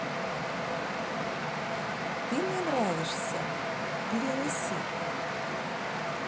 ты мне нравишься перенеси